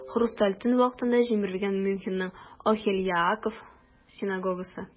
"хрусталь төн" вакытында җимерелгән мюнхенның "охель яаков" синагогасы.